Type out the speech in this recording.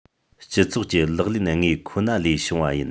སྤྱི ཚོགས ཀྱི ལག ལེན དངོས ཁོ ན ལས བྱུང བ ཡིན